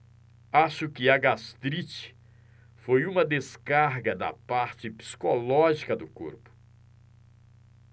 acho que a gastrite foi uma descarga da parte psicológica no corpo